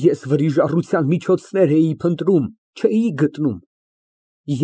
Ես վրիժառության միջոցներ էի փնտրում, չէի գտնում։